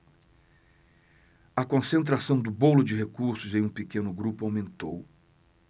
a concentração do bolo de recursos em um pequeno grupo aumentou